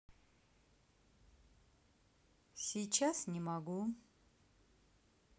сейчас не могу